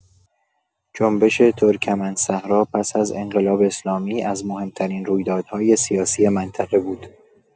جنبش ترکمن‌صحرا پس از انقلاب اسلامی از مهم‌ترین رویدادهای سیاسی منطقه بود.